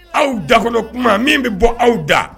Aw dako kuma min bɛ bɔ aw da